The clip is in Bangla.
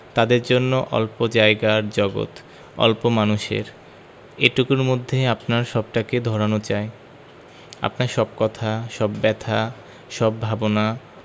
তাদের জন্য অল্প জায়গার জগত অল্প মানুষের এটুকুর মধ্যে আপনার সবটাকে ধরানো চাই আপনার সব কথা সব ব্যাথা সব ভাবনা